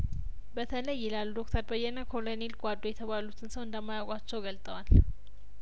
በተለይ ይላሉ ዶክተር በየነ ኮለኔል ጓዱ የተባሉትን ሰው እንደማ ያውቋቸው ገልጠዋል